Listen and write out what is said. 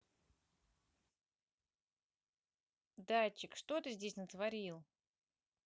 датчик что ты здесь натворил